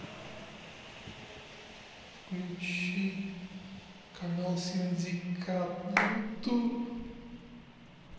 включи канал синдикат на ютуб